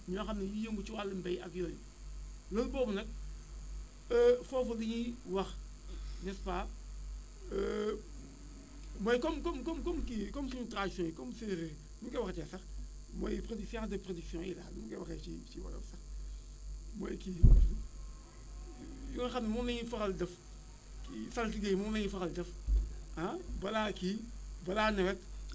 ñoo xam ne dañuy yëngu ci wàllum mbéy ak yooyu lël boobu nag foofa dañuy wax n' est ce pas mooy comme comme comme kii comme suñu tradition yi comme séeréer yi nu ñu koy waxeetee sax mooy prédi sciences de prédiction yi daal nu ñu koy waxee ci ci wolof sax mooy kii bi nu mu tudd loo xam ne moom la ñuy faral di def kii saltige yi moom la ñuy faral di def ah balaa kii balaa nawet